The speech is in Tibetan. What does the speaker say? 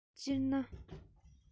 སྤྱིར ན